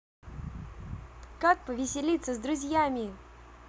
как повеселиться с друзьями